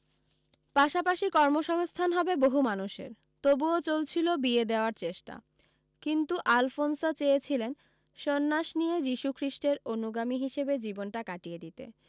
পাশাপাশি কর্মসংস্থান হবে বহু মানুষের তবুও চলছিল বিয়ে দেওয়ার চেষ্টা কিন্তু আলফোনসা চেয়েছিলেন সন্ন্যাস নিয়ে যীশু খ্রীষ্টের অনুগামী হিসেবে জীবনটা কাটিয়ে দিতে